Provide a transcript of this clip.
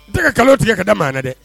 N tɛ ka nkalon tigɛ ka da maa la dɛ